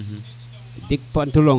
jik pantalon :frav